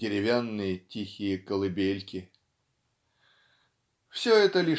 "деревянные тихие колыбельки"). Все это